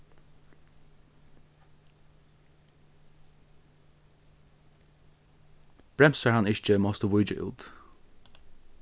bremsar hann ikki mást tú víkja út